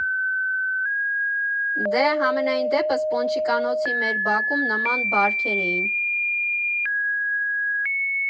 Դե, համենայն դեպս Պոնչիկանոցի մեր բակում նման բարքեր էին։